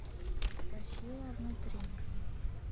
спросила внутри